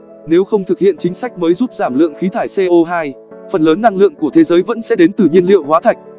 nếu không thực hiện chính sách mới giúp giảm lượng khí thải co phần lớn năng lượng của thế giới vẫn sẽ đến từ nhiên liệu hóa thạch